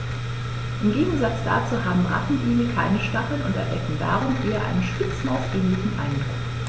Im Gegensatz dazu haben Rattenigel keine Stacheln und erwecken darum einen eher Spitzmaus-ähnlichen Eindruck.